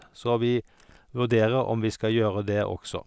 Så vi vurderer om vi skal gjøre det også.